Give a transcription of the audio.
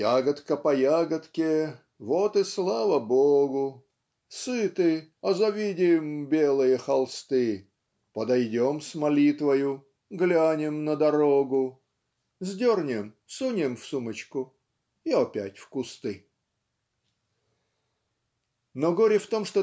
Ягодка по ягодке - вот и слава Богу: Сыты. А завидим белые холсты Подойдем с молитвою глянем на дорогу Сдернем сунем в сумочку и опять в кусты. Но горе в том